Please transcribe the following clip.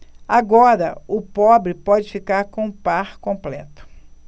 agora o pobre pode ficar com o par completo